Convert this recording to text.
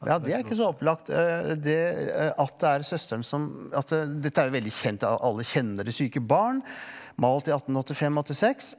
ja det er ikke så opplagt det at det er søsteren som at dette er jo veldig kjent alle kjenner Det syke barn malt i 1885 åttiseks.